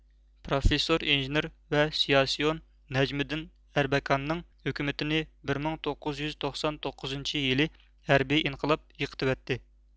پىراففىسور ئىنژېنېر ۋە سىياسىيون نەجمىدىن ئەربەكاننىڭ ھۆكۈمىتىنى بىر مىڭ توققۇز يۈز توقسان توققۇزىنچى يىلى ھەربىي ئىنقىلاب يىقىتىۋەتتى